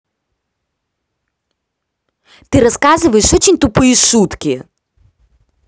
ты рассказываешь очень тупые шутки